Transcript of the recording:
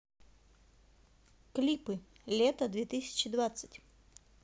клипы лето две тысячи двадцать